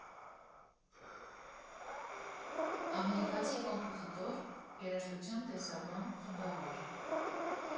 Ամերիկացի կոմպոզիտոր, երաժշտության տեսաբան ֊ խմբ.